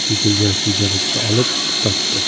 chekilgan sigaretni olib tutatdi